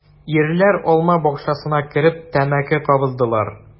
Ирләр алма бакчасына кереп тәмәке кабыздылар.